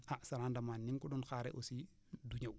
ah sa rendement ni nga ko doon xaaree aussi du ñëw